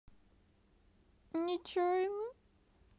нечаянно